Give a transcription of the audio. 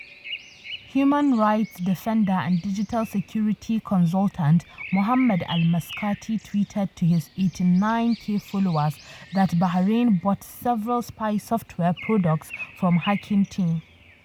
Human rights defender and digital security consultant Mohammed Al-Maskati tweeted to his 89K followers that Bahrain bought several spy software products from Hacking Team.